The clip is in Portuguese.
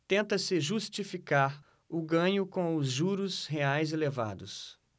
tenta-se justificar o ganho com os juros reais elevados